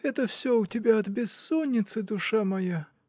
это все у тебя от бессонницы, душа моя.